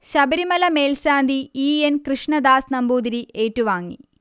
ശബരിമല മേൽശാന്തി E. N. Krishnadas Namboothiri ഏറ്റുവാങ്ങി